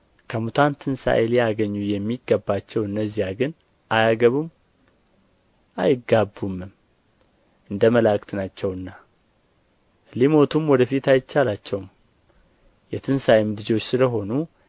ከሙታን ትንሣኤ ሊያገኙ የሚገባቸው እነዚያ ግን አያገቡም አይጋቡምም እንደ መላእክት ናቸውና ሊሞቱም ወደ ፊት አይቻላቸውም የትንሣኤም ልጆች ስለ ሆኑ